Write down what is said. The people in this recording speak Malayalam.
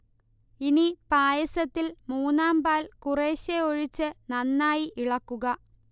ഇനി പായസത്തിൽ മൂന്നാം പാൽ കുറേശ്ശെ ഒഴിച്ച് നന്നായി ഇളക്കുക